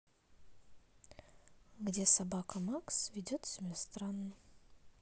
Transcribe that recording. где собака макс ведет себя странно